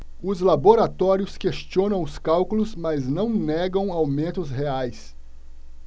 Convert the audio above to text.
os laboratórios questionam os cálculos mas não negam aumentos reais